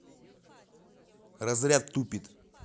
разряд тупит